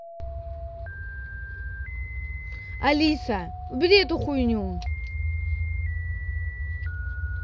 алиса убери эту хуйню